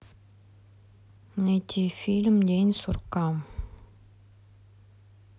найти фильм день сурка